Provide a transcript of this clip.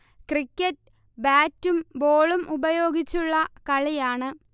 cricket ബാറ്റും ബോളും ഉപയോഗിച്ചുള്ള കളിയാണ്